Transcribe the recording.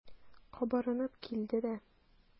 Кабарынып килде дә.